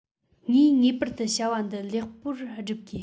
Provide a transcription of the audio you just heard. ངས ངེས པར དུ བྱ བ འདི ལེགས པོར སྒྲུབ དགོས